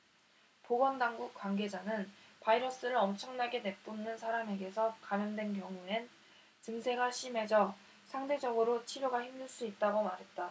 보건당국 관계자는 바이러스를 엄청나게 내뿜는 사람에게서 감염된 경우엔 증세가 심해져 상대적으로 치료가 힘들 수 있다고 말했다